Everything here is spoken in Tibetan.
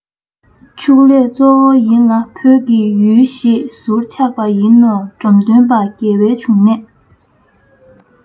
ཕྱུགས ལས གཙོ བོ ཡིན ལ བོད ཀྱི ཡུལ ཞེས ཟུར ཆག པ ཡིན ནོ འབྲོམ སྟོན པའི རྒྱལ བའི འབྱུང གནས